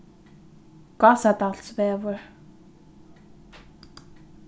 gásadalsvegur